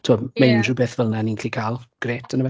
tibod ma'... ia. ...unryw beth fel 'na ni'n gallu cael, grêt yndyfe.